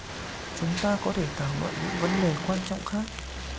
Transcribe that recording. chúng ta có thể thảo luận những vấn đề quan trọng khác